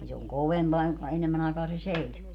niin se on kovempaa jonka enemmän aikaa se seisoo